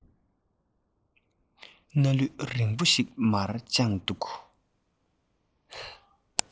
སྣ ལུད རིང པོ ཞིག མར དཔྱངས འདུག